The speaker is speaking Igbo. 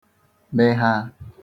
Mehaa